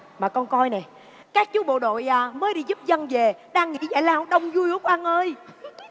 mà con coi nè các chú bộ đội ờ mới giúp dân về đang nghỉ giải lao đông vui lắm quá quan ơi